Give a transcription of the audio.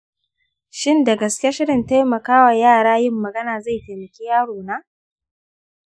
shin da gaske shirin taimaka wa yara yin magana zai taimaki yarona?